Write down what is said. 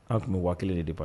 An tun bɛ wa kelen de ba ye